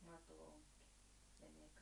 mato-onkeen meneekö